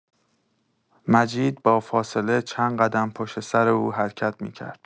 مجید با فاصله چند قدم پشت‌سر او حرکت می‌کرد.